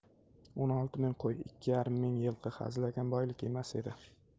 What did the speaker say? o'n olti ming qo'y ikki yarim ming yilqi hazilakam boylik emas edi